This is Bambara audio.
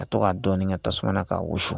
Ka tɔgɔ k'a dɔɔnin ka tasuma na k'a wusu